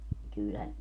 kyllähän